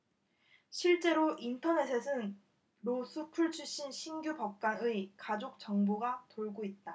실제로 인터넷에는 로스쿨 출신 신규 법관의 가족 정보가 돌고 있다